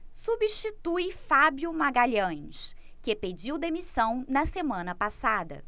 substitui fábio magalhães que pediu demissão na semana passada